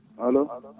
allo